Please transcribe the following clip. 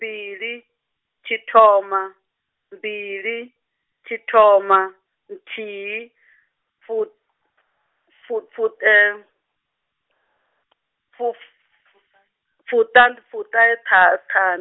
mbili, tshithoma, mbili, tshithoma, nthihi, fu- , fu- fu-, fu-, futah- fuṱahe tha than-.